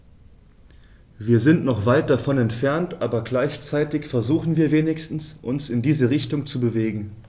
Wir sind noch weit davon entfernt, aber gleichzeitig versuchen wir wenigstens, uns in diese Richtung zu bewegen.